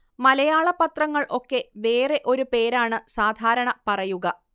മലയാള പത്രങ്ങൾ ഒക്കെ വേറെ ഒരു പേരാണ് സാധാരണ പറയുക